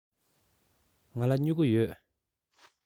ང ལ སྨྱུ གུ ཡོད